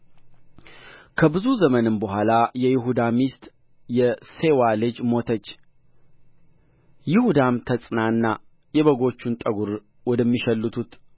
ከብዙ ዘመንም በኋላ የይሁዳ ሚስት የሴዋ ልጅ ሞተች ይሁዳም ተጽናና የበጎቹን ጠጕር ወደሚሸልቱት